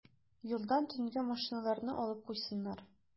Юлдан төнгә машиналарны алып куйсыннар.